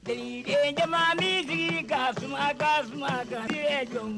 Teyi ŋe keman min sigi ka suman taasuma kan, i ye jon